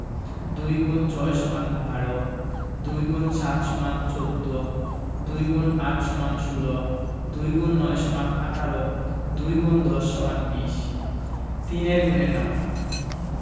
২ X ৬ = ১২ ২ X ৭ = ১৪ ২ X ৮ = ১৬ ২ X ৯ = ১৮ ২ ×১০ = ২০ ৩ এর গুণের নামতা